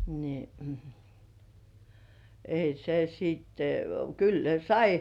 niin ei se sitten kyllä ne sai